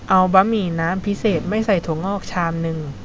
เอาบะหมี่น้ำพิเศษไม่ใส่ถั่วงอกชามนึง